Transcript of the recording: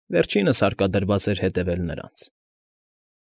Վերջինս հարկադրված էր հետևել նրանց։